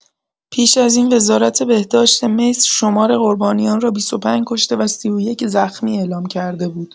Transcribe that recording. پیش از این وزارت بهداشت مصر شمار قربانیان را ۲۵ کشته و ۳۱ زخمی اعلام کرده بود.